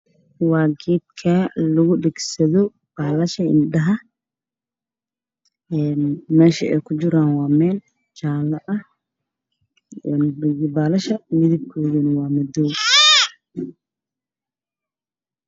Waa geedka. lagu dhegsado baalasha indhaha meesha ay ku jiraan waa meel jaaalo ah baalasha medebkoodu waa madow